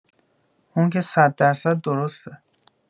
اون که صد در صد درسته